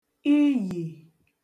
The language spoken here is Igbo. iyì